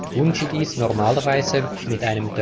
tun sie dies normalerweise mit einem